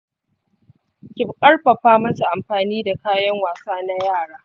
ki karfafa masa amfani da kayan wasa na yara.